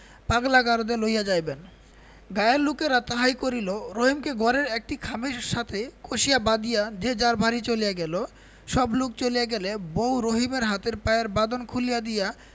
পাগলা গারদে লইয়া যাইবেন গাঁয়ের লোকেরা তাহাই করিল রহিমকে ঘরের একটি খামের সাথে কষিয়া বাধিয়া যে যার বাড়ি চলিয়া গেল সবলোক চলিয়া গেলে বউ রহিমের হাতের পায়ের বাঁধন খুলিয়া দিয়া